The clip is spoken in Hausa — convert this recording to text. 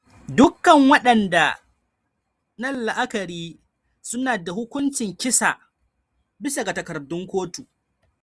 Dukkan waɗanda nan la'akari su na da hukuncin kisa, bisa ga takardun kotu.